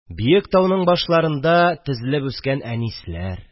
Биек тауның башларында Тезелеп үскән әнисләр